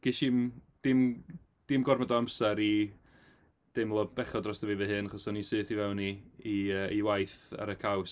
Ges i'm dim dim gormod o amser i deimlo bechod drosta fi fy hun, achos o'n i syth i fewn i i yy i waith ar y caws.